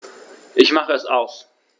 Ich mache es aus.